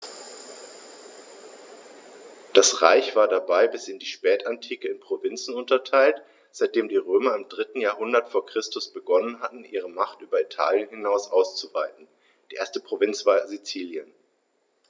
Das Reich war dabei bis in die Spätantike in Provinzen unterteilt, seitdem die Römer im 3. Jahrhundert vor Christus begonnen hatten, ihre Macht über Italien hinaus auszuweiten (die erste Provinz war Sizilien).